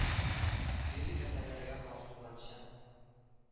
Лирик әсәрләргә хас булганча